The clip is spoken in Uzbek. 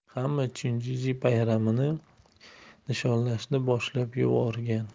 hamma chunjiye bayramini nishonlashni boshlab yuborgan